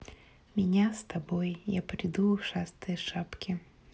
меня с собой я приду ушастые шапки